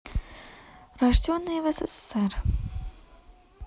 рожденные в ссср